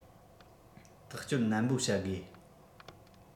ཐག གཅོད ནན པོ བྱ དགོས